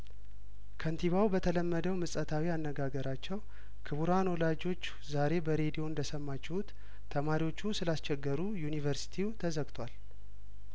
ከንቲባው በተለመደው ምጸታዊ አነጋገራቸው ክቡራን ወላጆች ዛሬ በሬዲዮ እንደሰማችሁት ተማሪዎቹ ስላስ ቸገሩ ዩኒቨርሲቲው ተዘግቶ አል